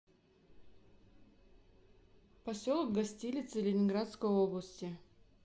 поселок гостилицы ленинградской области